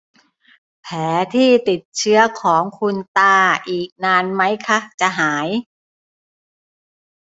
แผลที่ติดเชื้อของคุณตาอีกนานมั้ยคะจะหาย